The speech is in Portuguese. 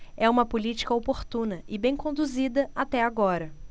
é uma política oportuna e bem conduzida até agora